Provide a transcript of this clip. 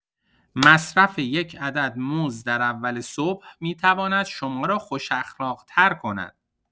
مصرف یک عدد موز در اول صبح می‌تواند شما را خوش‌اخلاق‌تر کند!